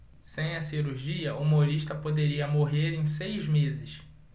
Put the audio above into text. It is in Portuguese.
sem a cirurgia humorista poderia morrer em seis meses